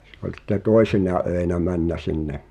se oli sitten toisina öinä mennyt sinne